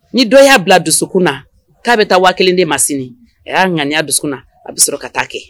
Ni dɔ ya bila a dusukun na, ka bi taa 1000 de ma sini, a ya ŋaniya a dusu na . A bi sɔrɔ ka taa kɛ.